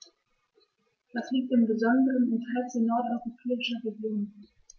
Dies liegt im besonderen Interesse nordeuropäischer Regionen.